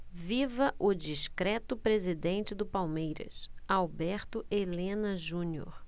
viva o discreto presidente do palmeiras alberto helena junior